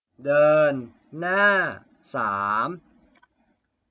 เดินหน้าสาม